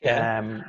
'Ce. Yym.